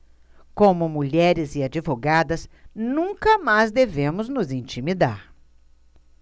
como mulheres e advogadas nunca mais devemos nos intimidar